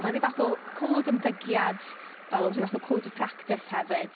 Mae'n ryw fath o côd ymddygiad fel ryw fath o code of practice hefyd.